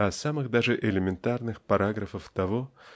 а самых даже элементарных параграфов того